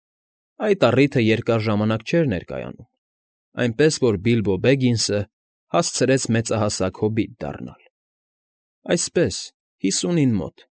Այդ առիթը երկար ժամանակ չէր ներկայանում, այնպես որ Բիլբո Բեգինսը հասցրեց մեծահասակ հոբիտ դառնալ, այսպես, հիսունին մոտ։